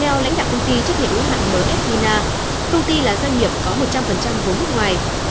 theo lãnh đạo công ty trách nhiệm hữu hạn mờ ét vi na công ty là doanh nghiệp có một trăm phần trăm vốn nước ngoài